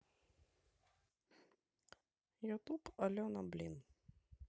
ютуб алена блин